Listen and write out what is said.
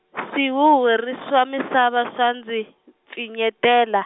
swihuhuri swa misava swa ndzi, pfinyetela.